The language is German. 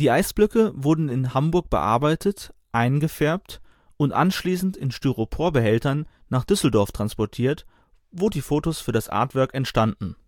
Eisblöcke wurden in Hamburg bearbeitet, eingefärbt und anschließend in Styropor-Behältern nach Düsseldorf transportiert, wo die Fotos für das Artwork entstanden